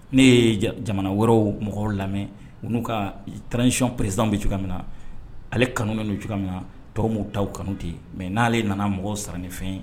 Ne ye jamana wɛrɛw mɔgɔw lamɛn u n'u ka tcɔn prezsan bɛ cogoya min na ale kanu' cogoya min na tɔgɔ ta kanu tɛ yen mɛ n'ale nana mɔgɔw sara nifɛn ye